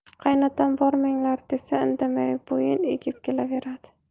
qaynatam bormanglar desa indamay bo'yin egib kelaveradi